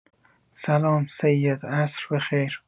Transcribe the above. سلام سید عصر بخیر